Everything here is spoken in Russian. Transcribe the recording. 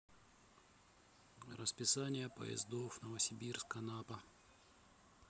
расписание поездов новосибирск анапа